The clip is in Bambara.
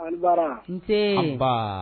Maria nse